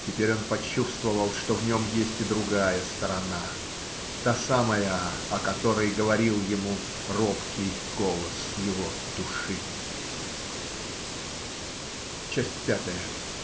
Теперь он почувствовал, что в нем есть и другая сторона, та самая, о которой говорил ему робкий голос его души. Часть пятая.